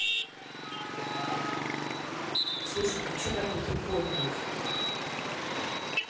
слушай ты че такой тупой блять